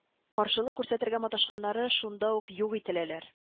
Каршылык күрсәтергә маташканнары шунда ук юк ителәләр